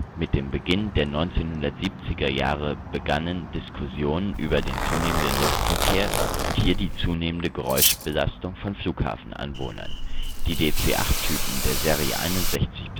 Mit dem Beginn der 1970er-Jahre begannen Diskussionen über den zunehmenden Luftverkehr und hier die zunehmende Geräuschbelastung von Flughafenanwohnern. Die DC-8-Typen der Serie 61